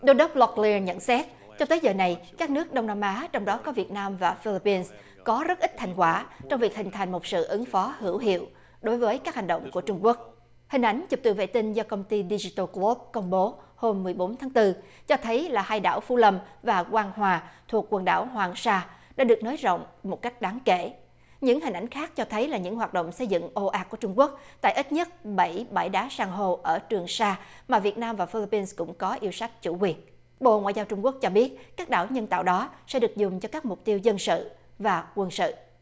đô đốc lộc lin nhận xét cho tới giờ này các nước đông nam á trong đó có việt nam và phi líp pin có rất ít thành quả trong việc hình thành một sự ứng phó hữu hiệu đối với các hành động của trung quốc hình ảnh chụp từ vệ tinh do công ty đi si tồ quốc công bố hôm mười bốn tháng tư cho thấy là hay đảo phú lâm và quang hòa thuộc quần đảo hoàng sa đã được nới rộng một cách đáng kể những hình ảnh khác cho thấy là những hoạt động xây dựng ồ ạt của trung quốc tại ít nhất bảy bãi đá san hô ở trường sa mà việt nam và phi líp pin cũng có yêu sách chủ quyền bộ ngoại giao trung quốc cho biết các đảo nhân tạo đó sẽ được dùng cho các mục tiêu dân sự và quân sự